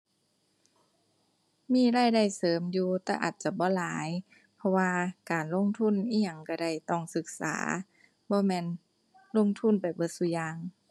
มีรายได้เสริมอยู่แต่อาจจะบ่หลาย เพราะว่าการลงทุนอิหยังก็ได้ต้องศึกษา บ่แม่นลงทุนไปเบิดซุอย่าง